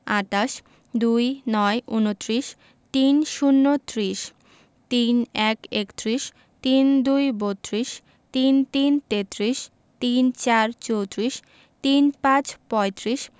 আটাশ ২৯ -ঊনত্রিশ ৩০ - ত্রিশ ৩১ - একত্রিশ ৩২ - বত্ৰিশ ৩৩ - তেত্রিশ ৩৪ - চৌত্রিশ ৩৫ - পঁয়ত্রিশ